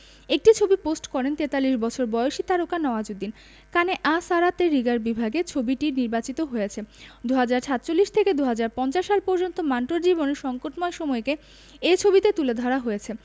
একটি ছবি পোস্ট করেন ৪৩ বছর বয়সী তারকা নওয়াজুদ্দিন কানে আঁ সারাতে রিগার বিভাগে ছবিটি নির্বাচিত হয়েছে ২০৪৬ থেকে ২০৫০ সাল পর্যন্ত মান্টোর জীবনের সংকটময় সময়কে এ ছবিতে তুলে ধরা হয়েছে